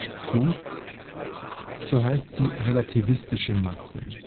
zu, so heißt sie relativistische Masse